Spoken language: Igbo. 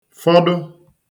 fọdụ